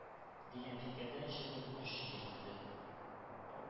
Дигән фикердән чыгып эш йөртте.